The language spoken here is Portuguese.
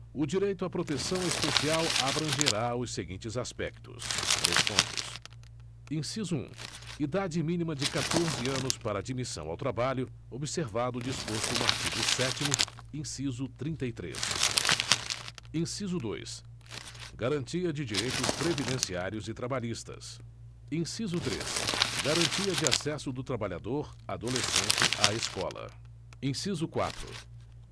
o direito a proteção especial abrangerá os seguintes aspectos dois pontos inciso um idade mínima de catorze anos para admissão ao trabalho observado o disposto no artigo sétimo inciso trinta e três inciso dois garantia de direitos previdenciários e trabalhistas inciso três garantia de acesso do trabalhador adolescente à escola inciso quatro